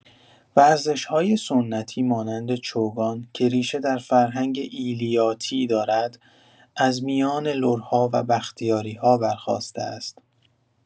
ورزش‌های سنتی مانند چوگان که ریشه در فرهنگ ایلیاتی دارد، از میان لرها و بختیاری‌ها برخاسته است.